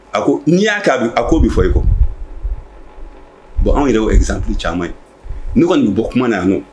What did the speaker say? A ko n'i y'a kɛ, a ko bɛ fɔ i kɔ bon anw yɛrɛ y'o exemple caman ye, ne kɔni bɛ bɔ kuma na yan.